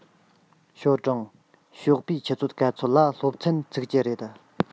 ཞའོ ཀྲུང ཞོགས པའི ཆུ ཚོད ག ཚོད ལ སློབ ཚན ཚུགས ཀྱི རེད